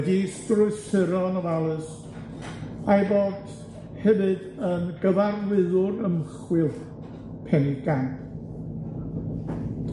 wedi'u strwythuro yn ofalus, a'i bod hefyd yn gyfarwyddwr ymchwil penigamp.